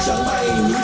mây